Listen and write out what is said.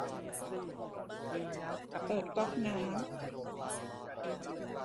เปิดก๊อกน้ำ